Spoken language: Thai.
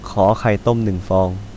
ขอไข่ต้มหนึ่งฟอง